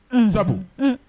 Nsa